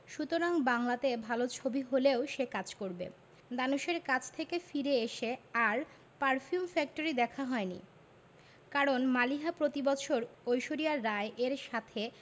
সুতরাং বাংলাতে ভালো ছবি হলেও সে কাজ করবে ধানুশের কাছে থেকে ফিরে এসে আর পারফিউম ফ্যাক্টরি দেখা হয়নি কারণ মালিহা প্রতিবছর ঐশ্বরিয়া রাই এর সাথে